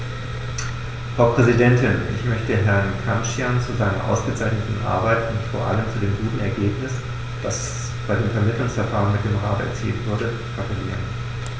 Frau Präsidentin, ich möchte Herrn Cancian zu seiner ausgezeichneten Arbeit und vor allem zu dem guten Ergebnis, das bei dem Vermittlungsverfahren mit dem Rat erzielt wurde, gratulieren.